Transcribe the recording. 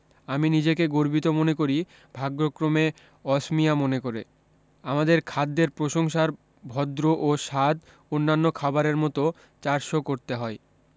আমি নিজেকে গর্বিত মনে করি ভাগ্যক্রমে অসমিয়া মনে করে আমাদের খাদ্যের প্রসংশার ভদ্র ও স্বাদ অন্যান্য খাবারের মতো চারশো করতে হয়